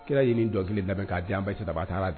Kira ye nin dɔnkili in lamɛn, ka di an ba Ayisata ma a taara